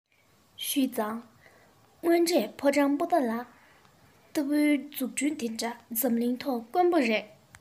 ཞུས ཙང དངོས འབྲེལ ཕོ བྲང པོ ཏ ལ ལྟ བུའི འཛུགས སྐྲུན དེ འདྲ འཛམ གླིང ཐོག དཀོན པོ རེད